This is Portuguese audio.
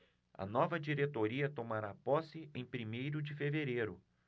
a nova diretoria tomará posse em primeiro de fevereiro